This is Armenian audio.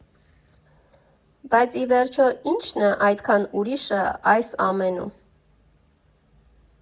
Բայց ի վերջո, ի՞նչն է այդքան ուրիշը այս ամենում։